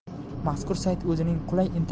mazkur sayt o'zining qulay